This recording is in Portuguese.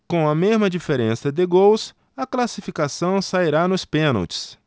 com a mesma diferença de gols a classificação sairá nos pênaltis